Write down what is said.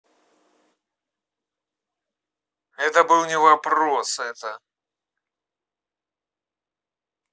это был не вопрос это